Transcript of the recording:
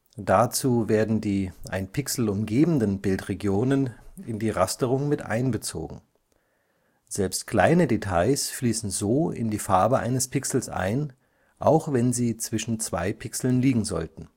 Dazu werden die ein Pixel umgebenden Bildregionen in die Rasterung mit einbezogen. Selbst kleine Details fließen so in die Farbe eines Pixels ein, auch wenn sie zwischen zwei Pixeln liegen sollten